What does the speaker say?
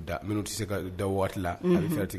Minnu tɛ se ka da waati la siratigɛ